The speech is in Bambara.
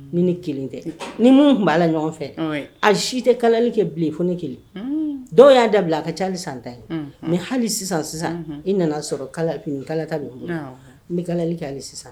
Ni ni kelen tɛ ni minnu tun b' la ɲɔgɔn fɛ a si tɛ kalali kɛ bilen fo ne kelen dɔw y'a dabila a ka cali san ta ye mɛ hali sisan sisan i nana sɔrɔ kala bi ni kalata bɛ ni kalalika hali sisan